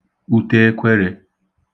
uteekwerē